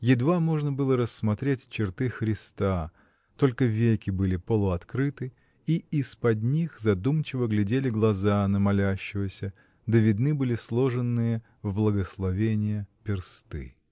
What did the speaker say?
едва можно было рассмотреть черты Христа: только веки были полуоткрыты, и из-под них задумчиво глядели глаза на молящегося, да видны были сложенные в благословение персты.